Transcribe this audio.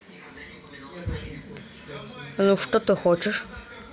ну что ты хочешь